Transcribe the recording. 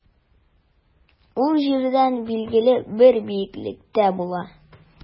Ул җирдән билгеле бер биеклектә була.